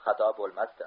xato bo'lmasdi